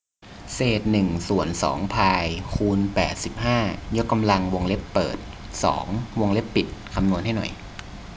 เศษหนึ่งส่วนสองพายคูณแปดสิบห้ายกกำลังวงเล็บเปิดสองวงเล็บปิดคำนวณให้หน่อย